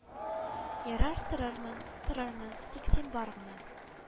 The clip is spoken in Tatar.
Ярар торырмын торырмын тик син бар гына